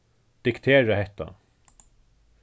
diktera hetta